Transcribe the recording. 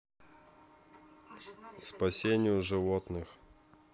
спасению животных